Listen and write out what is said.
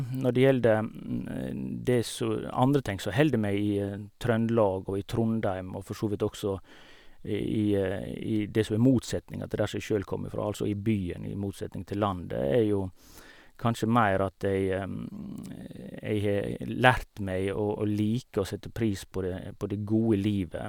Når det gjelder det som andre ting som holder meg i Trøndelag og i Trondheim og forsåvidt også i i det som er motsetninga til der som jeg sjøl kommer fra, altså i byen i motsetning til landet, er jo kanskje mer at jeg jeg har lært meg å å like og sette pris på det på det gode livet.